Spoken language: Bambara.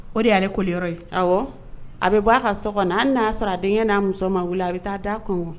O de y'ale koliyɔrɔ ye , awɔ, a bɛ bɔ a ka so kɔnɔ hali na y'a sɔrɔ a denkɛ n'a muso ma wili, a bɛ taa da kongo